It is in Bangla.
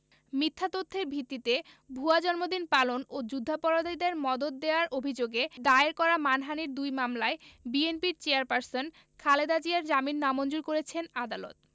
মিথ্যা তথ্যের ভিত্তিতে ভুয়া জন্মদিন পালন ও যুদ্ধাপরাধীদের মদদ দেওয়ার অভিযোগে দায়ের করা মানহানির দুই মামলায় বিএনপির চেয়ারপারসন খালেদা জিয়ার জামিন নামঞ্জুর করেছেন আদালত